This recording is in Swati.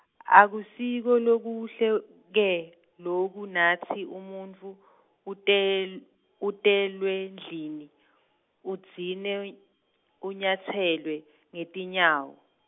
akusiko lokuhle, ke loku natsi umuntfu, utel- utelwendlini , udzine , unyatselwe, ngetinyawo.